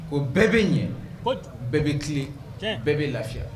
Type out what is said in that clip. O bɛɛ bɛ ɲɛ bɛɛ bɛ tilen bɛɛ bɛ lafiya